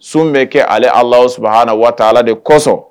Sun bɛ kɛ ale ala saba na waa ala de kosɔn